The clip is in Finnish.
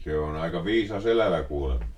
se on aika viisas elävä kuulemma